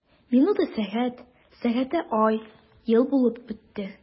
Минуты— сәгать, сәгате— ай, ел булып үтте.